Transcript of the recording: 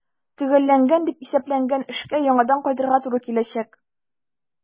Төгәлләнгән дип исәпләнгән эшкә яңадан кайтырга туры киләчәк.